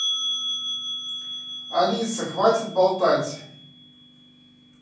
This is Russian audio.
алиса хватит болтать